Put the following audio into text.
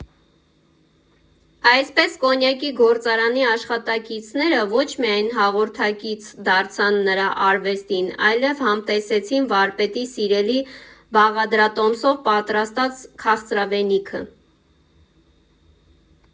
Այսպես, կոնյակի գործարանի աշխատակիցները ոչ միայն հաղորդակից դարձան նրա արվեստին, այլև համտեսեցին վարպետի սիրելի բաղադրատոմսով պատրաստած քաղցրավենիքը։